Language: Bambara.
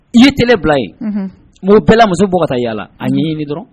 I ye t bila ye mori bɛɛla musoɔgɔ taa yalala a ɲɛɲini dɔrɔn